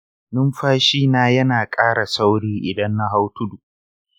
numfashi na yana ƙara sauri idan na hau tudu.